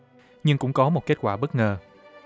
nhưng cũng có một kết quả bất ngờ